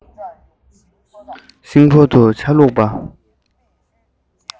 ཤིང ཕོར དུ ཇ བླུགས པ